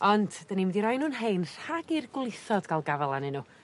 ond 'dyn ni'n mynd i roi nw'n rhein rhag i'r gwlithod ga'l gafel arnyn n'w.